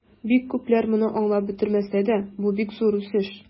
Бик күпләр моны аңлап бетермәсә дә, бу бик зур үсеш.